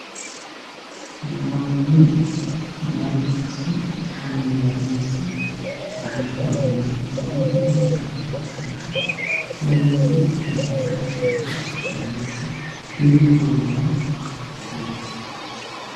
Labo wiil meel fadhiso imtixaan diyaarinayso waxay gacanta ku hayaan qalin iyo warqada imtixaanka labada wiil waxay wataan shaati isku wada nooc ah midabkoodu waa cadaan